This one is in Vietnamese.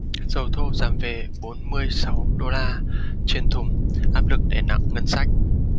dầu thô giảm về bốn mươi sáu đô la trên thùng áp lực đè nặng ngân sách